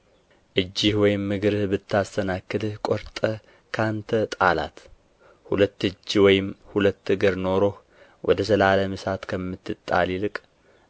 እጅህ ወይም እግርህ ብታሰናክልህ ቈርጠህ ከአንተ ጣላት ሁለት እጅ ወይም ሁለት እግር ኖሮህ ወደ ዘላለም እሳት ከምትጣል ይልቅ